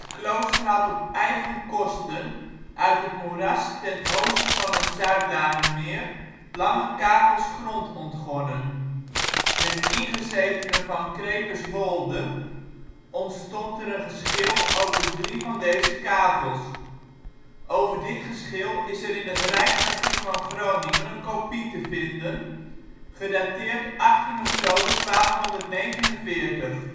klooster had op eigen kosten uit het moeras ten oosten van het Zuidlaardermeer lange kavels grond ontgonnen. Met ingezetenen van ' Crepeswolde ' ontstond er een geschil over drie van deze kavels. Over dit geschil is er in het rijksarchief van Groningen een kopie te vinden, gedateerd 18 oktober 1249. Het